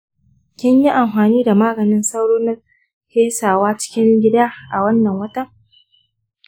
kinyi amfani da maganin sauro na pesawa a cikin gida a watan nan?